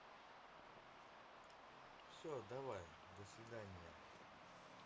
все давай до свидания